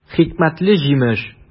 Хикмәтле җимеш!